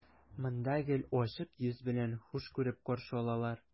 Монда гел ачык йөз белән, хуш күреп каршы алалар.